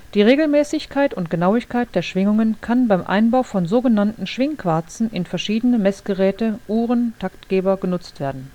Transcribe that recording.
Die Regelmäßigkeit und Genauigkeit der Schwingungen kann beim Einbau von so genannten Schwingquarzen in verschiedene Messgeräte (Uhren, Taktgeber) genutzt werden